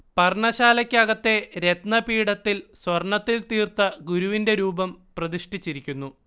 പർണ്ണശാലക്കകത്തെ രത്നപീഠത്തിൽ സ്വർണ്ണത്തിൽ തീർത്ത ഗുരുവിന്റെ രൂപം പ്രതിഷ്ഠിച്ചിരിക്കുന്നു